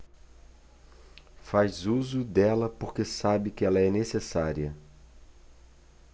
faz uso dela porque sabe que ela é necessária